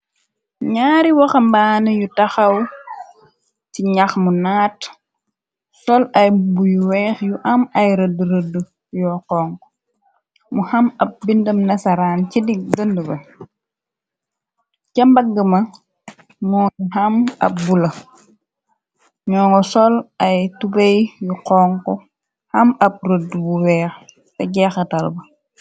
Ñaari waxa'mbani yu taxaw ci ñax mu naat sol ay mbubu yu wèèx yu am ay rëdd rëdd yu xonxu mu am ab bindam nasaraan ci digiba ca mbaga am mu am ab bula ñoo ngo sol ay tubay yu xonxu am rëdd bu wèèx te jeexatal ba.